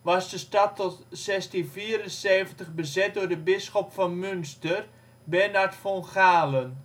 was de stad tot 1674 bezet door de Bisschop van Münster, Bernhard von Galen.